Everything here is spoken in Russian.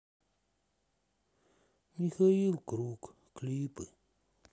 михаил круг клипы